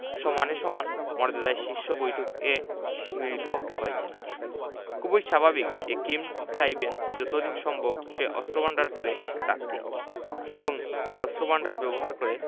সমানে সমান মর্যাদায় শীর্ষ বৈঠকে মিলিত হয়েছেন খুবই স্বাভাবিক যে কিম চাইবেন যত দিন সম্ভব সে অস্ত্রভান্ডার ধরে রাখতে এবং এই অস্ত্রভান্ডার ব্যবহার করে